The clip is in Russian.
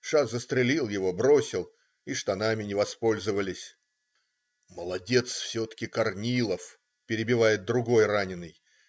Ш. застрелил его, бросил, и штанами не воспользовались". - "Молодец все-таки Корнилов! - перебивает другой раненый.